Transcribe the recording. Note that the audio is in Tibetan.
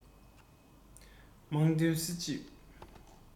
དམག དོན སྲིད ཇུས